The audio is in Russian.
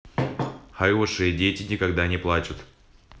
хорошие дети никогда не плачут